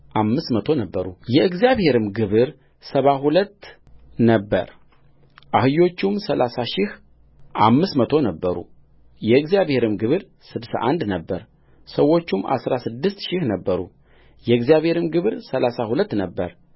አምስት መቶ ነበሩ የእግዚአብሔርም ግብር ሰባ ሁለት ነበረአህዮቹም ሠላሳ ሺህ አምስት መቶ ነበሩ የእግዚአብሔርም ግብር ስድሳ አንድ ነበረሰዎቹም አሥራ ስድስት ሺህ ነበሩ የእግዚአብሔርም ግብር ሠላሳ ሁለት ነበረ